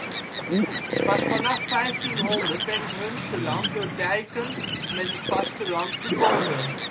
vanaf 1500 werd het Humsterland door dijken met het vasteland verbonden